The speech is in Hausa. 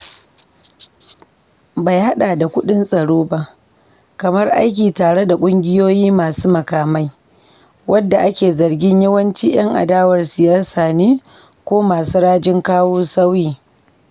Bai hada da kudin tsaro ba, kamar aiki tare da ƙungiyoyin masu makamai, wadda ake zargi yawanci yan adawar siyasa ne ko masu rajin kawo sauyi.